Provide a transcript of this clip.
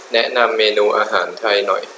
แนะนำเมนูอาหารไทยหน่อย